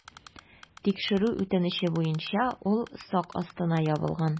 Тикшерү үтенече буенча ул сак астына ябылган.